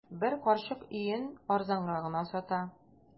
Бер карчык өен арзанга гына сата.